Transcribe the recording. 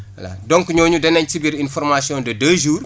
voilà donc ñooñu danañ subir une formation de deux jours